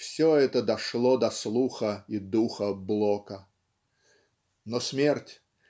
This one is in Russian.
все это дошло до слуха и духа Блока. Но смерть